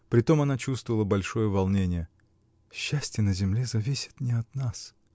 притом она чувствовала большое волнение), -- счастье на земле зависит не от нас.